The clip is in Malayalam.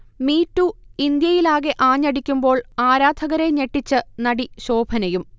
മീടു ഇന്ത്യയിലാകെ ആഞ്ഞടിക്കുമ്പോൾ ആരാധകരെ ഞെട്ടിച്ച് നടി ശോഭനയും